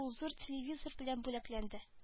Ул зур телевизор белән бүләкләнде